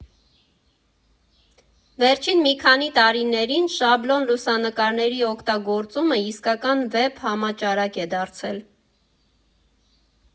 Վերջին մի քանի տարիներին շաբլոն լուսանկարների օգտագործումը իսկական վեբ համաճարակ է դարձել։